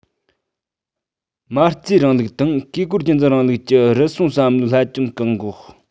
མ རྩའི རིང ལུགས དང བཀས བཀོད རྒྱུད འཛིན རིང ལུགས ཀྱི རུལ སུངས བསམ བློའི བསླད སྐྱོན བཀག འགོག